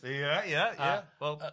Ia, ia, ia... wel yy